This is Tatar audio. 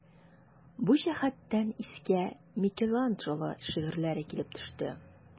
Бу җәһәттән искә Микеланджело шигырьләре килеп төште.